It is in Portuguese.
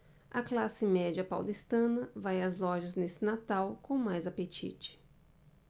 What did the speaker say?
a classe média paulistana vai às lojas neste natal com mais apetite